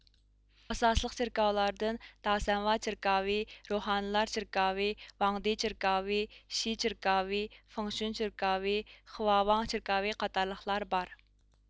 ئاساسلىق چېركاۋلاردىن داسەنبا چېركاۋى روھانىلار چېركاۋى ۋاڭدى چېركاۋى شى چېركاۋى فىڭشۇن چېركاۋى خۋاۋاڭ چېركاۋى قاتارلىقلار بار